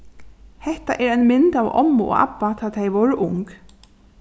hetta er ein mynd av ommu og abba tá tey vóru ung